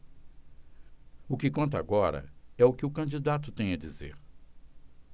o que conta agora é o que o candidato tem a dizer